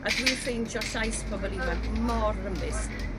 a dwi'n ffeindio llais pobl ifanc mor rymus.